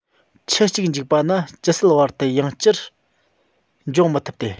ཁྱུ གཅིག འཇིག པ ན ཇི སྲིད བར དུ ཡང བསྐྱར འབྱུང མི ཐུབ ཏེ